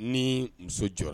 Ni muso jɔ